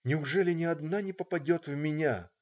Неужели ни одна не попадет в меня?.